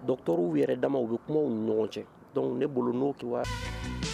Dɔ dɔgɔtɔrɔw yɛrɛ damaw bɛ kuma ɲɔgɔn cɛ dɔnku ne bolo n'o kibawa